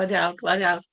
Mae'n iawn, mae'n iawn.